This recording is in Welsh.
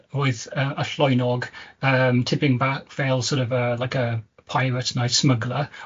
Roedd yy y llwynog yym tipyn bach fel sor' of yy, like a, pirate night smuggler